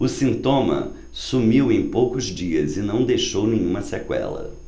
o sintoma sumiu em poucos dias e não deixou nenhuma sequela